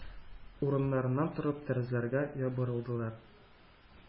Урыннарыннан торып, тәрәзәләргә ябырылдылар.